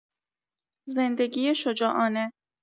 زندگی شجاعانه